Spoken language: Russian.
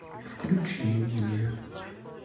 включи мне